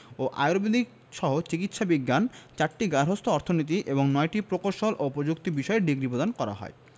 ও আর্য়ুবেদিকসহ চিকিৎসা বিজ্ঞান ৪টি গার্হস্থ্য অর্থনীতি এবং ৯টি প্রকৌশল ও প্রযুক্তি বিষয়ে ডিগ্রি প্রদান করা হয়